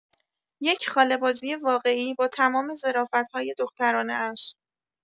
یک خاله بازی واقعی با تمام ظرافت‌های دخترانه‌اش.